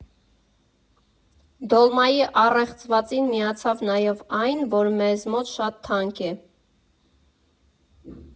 Դոլմայի առեղծվածին միացավ նաև այն, որ մեզ մոտ շատ թանկ է։